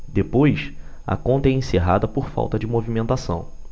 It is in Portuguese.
depois a conta é encerrada por falta de movimentação